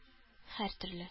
Һәртөрле